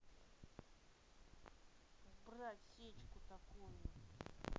убрать сечку такую